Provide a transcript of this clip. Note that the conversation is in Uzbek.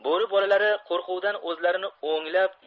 bo'ri bolalari qo'rquvdan o'zlarini o'nglab